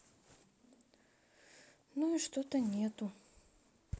ну и что то нету